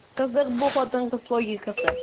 Кызык бу хатын-кыз логикасы.